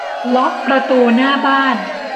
ล็อกประตูหน้าบ้าน